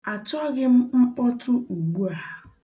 Achọghị m mkpọtụ ugbua.